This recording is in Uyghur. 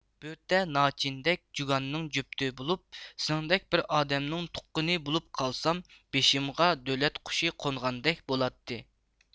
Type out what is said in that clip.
بۆرتە ناچىندەك جۇگاننىڭ جۈپتى بولۇپ سېنىڭدەك بىر ئادەمنىڭ تۇققىنى بولۇپ قالسام بېشىمغا دۆلەت قۇشى قونغاندەك بولاتتى